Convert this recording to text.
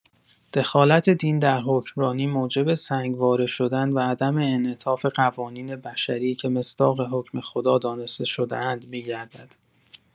دخالت دین در حکمرانی موجب سنگ واره شدن و عدم انعطاف قوانین بشری که مصداق حکم خدا دانسته شده‌اند می‌گردد.